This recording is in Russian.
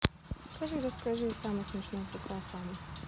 расскажи расскажи самый смешной прикол самый